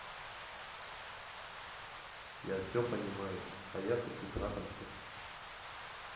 я все понимаю а я хочу трахаться